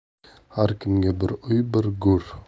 har kimga bir uy bir go'r